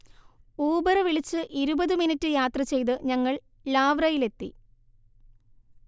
ഊബറുവിളിച്ച് ഇരുപത് മിനിറ്റ് യാത്ര ചെയ്ത് ഞങ്ങൾ ലാവ്റയിലെത്തി